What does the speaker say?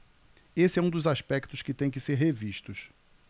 esse é um dos aspectos que têm que ser revistos